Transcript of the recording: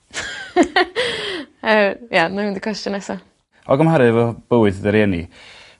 Er ia 'nai mynd i cwestiwn nesa. O gymharu efo bywyd dy rieni